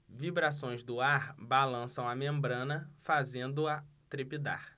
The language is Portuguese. vibrações do ar balançam a membrana fazendo-a trepidar